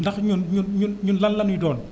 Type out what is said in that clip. ndax ñun ñun ñun ñun lan la lan la ñuy doon